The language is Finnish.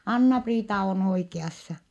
Anna-Priita on oikeassa